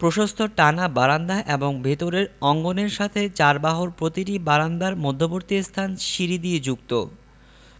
প্রশস্ত টানা বারান্দা এবং ভেতরের অঙ্গনের সাথে চারবাহুর প্রতিটি বারান্দার মধ্যবর্তীস্থান সিঁড়ি দিয়ে যুক্ত